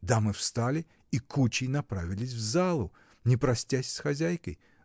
Дамы встали и кучей направились в залу, не простясь с хозяйкой